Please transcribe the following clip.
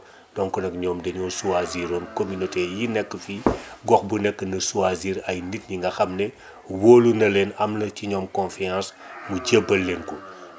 donc nag ñoom dañoo choisir roon communautés yii nekk fii gox bu nekk nag choisir ay nit ñi nga xam ne wóolu na leen am na ci ñoom confiance mu jébbal leen ko